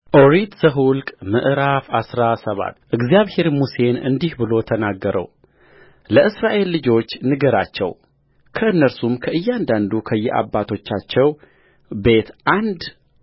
ኦሪት ዘኍልቍ ምዕራፍ አስራ ሰባት እግዚአብሔርም ሙሴን እንዲህ ብሎ ተናገረውለእስራኤል ልጆች ንገራቸው ከእነርሱም ከእያንዳንዱ ከየአባቶቻቸው ቤት አንድ